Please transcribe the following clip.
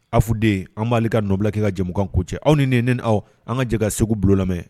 Afu den an b'aae ka nɔbila kɛ ka jamukan kuncɛ aw ni ne ne ni aw an ka jɛ ka Segu Bulo lamɛn